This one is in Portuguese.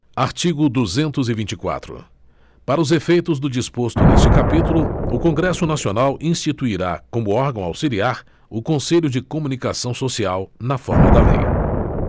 artigo duzentos e vinte e quatro para os efeitos do disposto neste capítulo o congresso nacional instituirá como órgão auxiliar o conselho de comunicação social na forma da lei